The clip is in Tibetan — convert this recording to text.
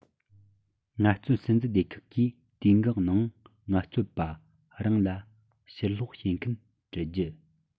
ངལ རྩོལ སྲིད འཛིན སྡེ ཁག གིས དུས བཀག ནང ངལ རྩོལ པ རང ལ ཕྱིར སློག བྱེད འགན དཀྲི རྒྱུ